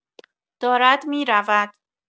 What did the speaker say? دارد می‌رود!